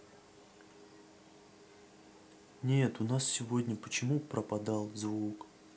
нет у нас сегодня почему пропадал звук